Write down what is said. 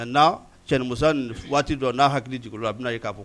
Maintenant cɛn muso nin waati dɔ n'a hakili jiginna o la a bɛna ye k'a fɔ